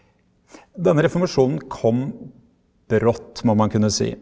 denne reformasjonen kom brått må man kunne si.